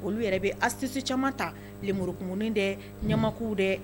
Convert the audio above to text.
Olu yɛrɛ bɛ asisi caman ta bmurukmuni de ɲama de